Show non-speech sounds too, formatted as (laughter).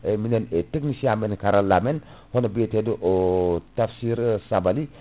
e minen e technicien amen e karalla amen hono biyateɗo (hesitation) Tamsir Sabaly